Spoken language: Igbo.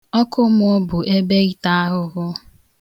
Ọkụmmụọ bụ ebe ịta ahụhụ.